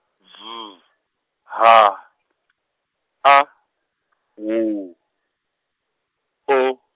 V H A W O.